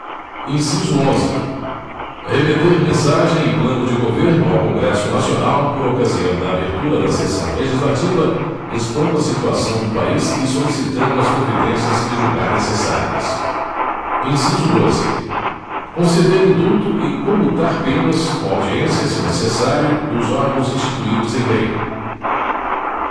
inciso onze remeter mensagem e plano de governo ao congresso nacional por ocasião da abertura da sessão legislativa expondo a situação do país e solicitando as providências que julgar necessárias inciso doze conceder indulto e comutar penas com audiência se necessário dos órgãos instituídos em lei